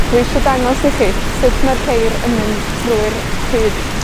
Dwi isio dangos i chi sut mae'r ceir yn mynd trwy'r rhyd.